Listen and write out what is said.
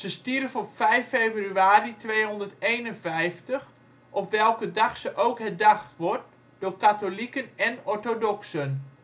stierf op 5 februari 251, op welke dag ze ook herdacht wordt door katholieken én orthodoxen